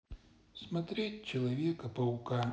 смотреть человека паука